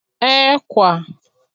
ekwà